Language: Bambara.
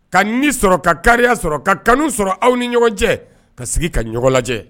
Ka ni sɔrɔ ka ka sɔrɔ ka kanu sɔrɔ aw ni ɲɔgɔn cɛ ka sigi ka ɲɔgɔn lajɛ